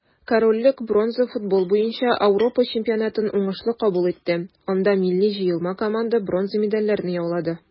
Корольлек бронза футбол буенча Ауропа чемпионатын уңышлы кабул итте, анда милли җыелма команда бронза медальләрне яулады.